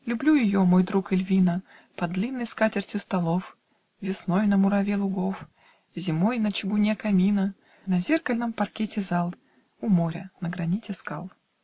Люблю ее, мой друг Эльвина, Под длинной скатертью столов, Весной на мураве лугов, Зимой на чугуне камина, На зеркальном паркете зал, У моря на граните скал.